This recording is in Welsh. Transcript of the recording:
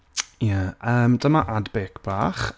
Ie yym dyma ad-break bach.